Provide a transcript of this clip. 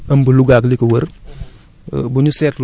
di ëmb Louga ak li ko wër